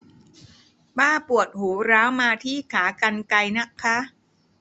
ป้าปวดหูร้าวมาที่ขากรรไกรนะคะ